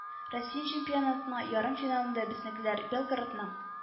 Россия чемпионатының ярымфиналында безнекеләр Белгородның